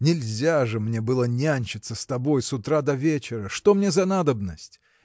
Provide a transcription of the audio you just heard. Нельзя же мне было нянчиться с тобой с утра до вечера что мне за надобность?